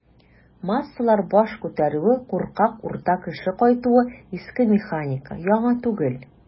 "массалар баш күтәрүе", куркак "урта кеше" кайтуы - иске механика, яңа түгел.